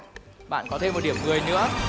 bạn có thêm một điểm mười nữa